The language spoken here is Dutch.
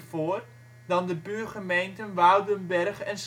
voor dan de buurgemeenten Woudenberg en